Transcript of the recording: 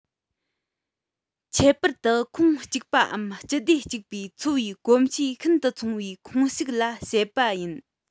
ཁྱད པར དུ ཁོངས གཅིག པའམ སྤྱི སྡེ གཅིག པའི འཚོ བའི གོམས གཤིས ཤིན ཏུ མཚུངས པའི ཁོངས ཞུགས ལ བཤད པ ཡིན